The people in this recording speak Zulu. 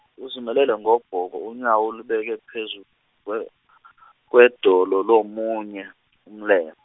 uzimelele ngobhoko unyawo ulubeke phezu, kwe- kwedolo lomunye umlenz-.